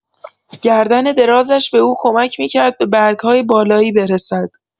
گردن درازش به او کمک می‌کرد به برگ‌های بالایی برسد.